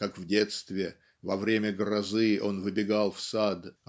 как в детстве во время грозы он выбегал в сад